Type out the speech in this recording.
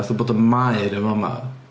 Fatha bod yn maer yn fam'ma...